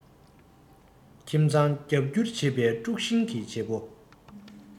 ཁྱིམ ཚང རྒྱབ བསྐྱུར བྱེད པའི དཀྲུག ཤིང གི བྱེད པོ